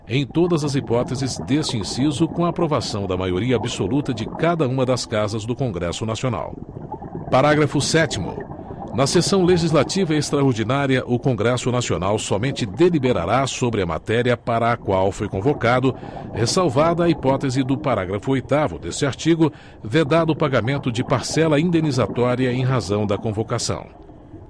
em todas as hipóteses deste inciso com a aprovação da maioria absoluta de cada uma das casas do congresso nacional parágrafo sétimo na sessão legislativa extraordinária o congresso nacional somente deliberará sobre a matéria para a qual foi convocado ressalvada a hipótese do parágrafo oitavo deste artigo vedado o pagamento de parcela indenizatória em razão da convocação